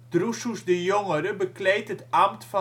Drusus de Jongere bekleed het ambt